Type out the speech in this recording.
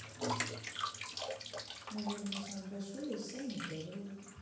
наверное самый большой и самый здоровый